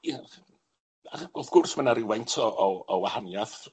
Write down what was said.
Ia, ac wrth gwrs ma' 'na rywfaint o o o wahaniath